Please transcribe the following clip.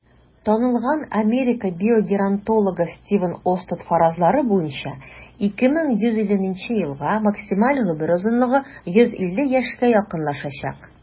Танылган Америка биогеронтологы Стивен Остад фаразлары буенча, 2150 елга максималь гомер озынлыгы 150 яшькә якынлашачак.